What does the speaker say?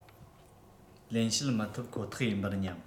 ལེན བྱེད མི ཐུབ ཁོ ཐག ཡིན པར སྙམ